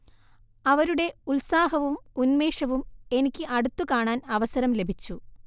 അവരുടെ ഉത്സാഹവും ഉൻേമഷവും എനിക്ക് അടുത്ത് കാണാൻ അവസരം ലഭിച്ചു